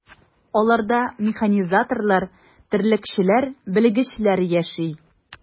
Аларда механизаторлар, терлекчеләр, белгечләр яши.